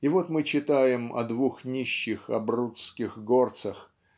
и вот мы читаем о двух нищих абруццких горцах